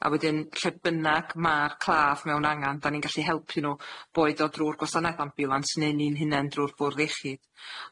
A wedyn lle bynnag ma'r claf mewn angan da ni'n gallu helpu nw, boed o drw'r gwasanaeth ambiwlans neu ni'n hunen drw'r bwrdd iechyd.